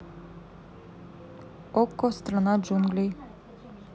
okko страна джунглей